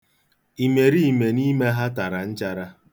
Imeriime n'ime ha tara nchara.